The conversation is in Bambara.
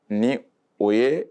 Ni o yee